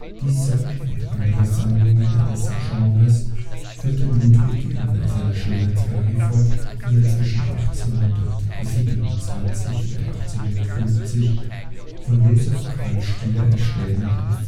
Diese und andere Sammlungen des Genres führte Ludwig in seiner Schönheitengalerie fort, die er zwischen 1827 und 1850 von Joseph Karl Stieler erstellen ließ